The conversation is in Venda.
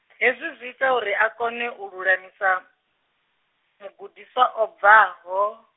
hezwi zwi ita uri a kone u lulamisa, mugudiswa o bvaho.